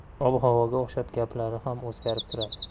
ob havoga o'xshab gaplari ham o'zgarib turadi